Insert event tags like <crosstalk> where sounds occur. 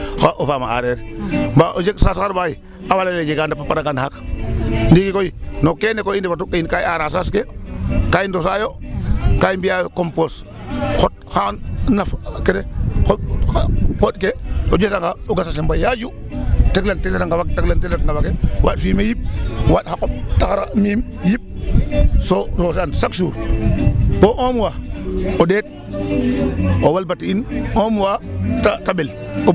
Xa o faam o aareer mbaa o jeg saas xaɓaxay a waa layel ee jega ndap xa paraga naxaq ndiiki koy no kene koy i ndefatu ka i aaraa saas ke ka i ndosaayo .Ka i mbi'aa yi compose xot xa naak kene xot pooƭ ke o jeg nga o gas a semb a yaaju teglante <unintelligible> waaɗ fumier yip waaɗ xa qoƥ taxar niim yip so rose'an chaque jour bo un mois o ndeet o wolbati'in un mois te ɓel.